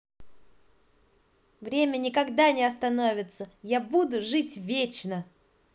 время никогда не остановится я буду жить вечно